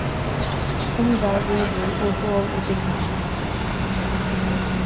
umvæl rivur og hol í bygninginum